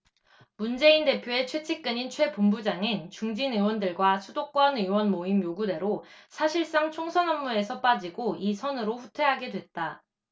문재인 대표의 최측근인 최 본부장은 중진 의원들과 수도권 의원 모임 요구대로 사실상 총선 업무에서 빠지고 이 선으로 후퇴하게 됐다